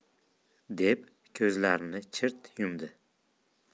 deb ko'zlarini chirt yumdi